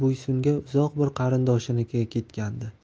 boysunga uzoq bir qarindoshinikiga ketgandi